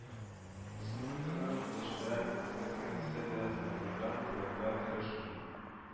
Республиканың яшьләр китапханәсе дә заманадан калырга тырышмый